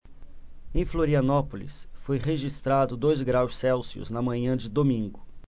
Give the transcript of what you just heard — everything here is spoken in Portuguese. em florianópolis foi registrado dois graus celsius na manhã de domingo